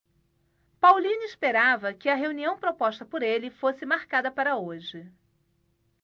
paulino esperava que a reunião proposta por ele fosse marcada para hoje